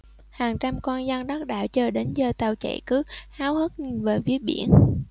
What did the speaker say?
hàng trăm con dân đất đảo chờ đến giờ tàu chạy cứ háo hức nhìn về phía biển